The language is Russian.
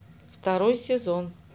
второй сезон